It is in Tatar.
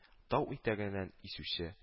Тау итәгенән исүче